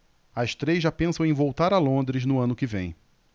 as três já pensam em voltar a londres no ano que vem